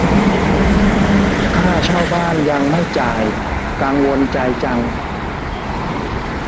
ค่าเช่าบ้านยังไม่จ่ายกังวลใจจัง